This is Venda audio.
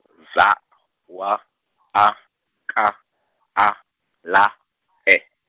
Z W A K A ḽa E.